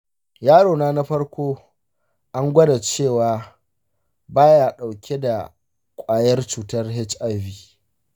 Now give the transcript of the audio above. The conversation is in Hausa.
yarona na farko an gwada cewa ba ya dauke da kwayar cutar hiv.